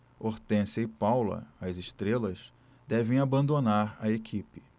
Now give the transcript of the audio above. hortência e paula as estrelas devem abandonar a equipe